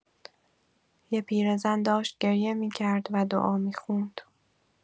یه پیرزن داشت گریه می‌کرد و دعا می‌خوند.